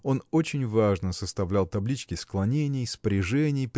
он очень важно составлял таблички склонений спряжений